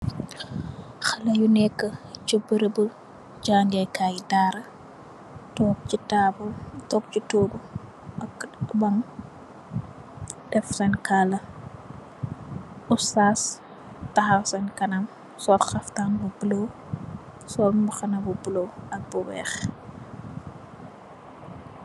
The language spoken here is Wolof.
Haley yu nekka chi bërobu jàngeekaay dara, toog chi taabul. Toog chi toogu ak bang def senn kala. Oustas tahaw senn kanam sol haftaan bu bulo, sol mbahana bu bulo ak bu weeh.